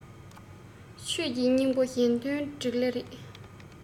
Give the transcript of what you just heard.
ཆོས ཀྱི སྙིང པོ གཞན དོན འགྲིག ལེ རེད